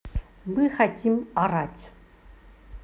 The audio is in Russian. мы хотим орать